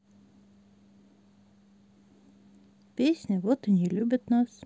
песня вот и не любит нас